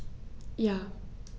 Ja.